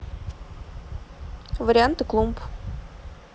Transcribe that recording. варианты клумб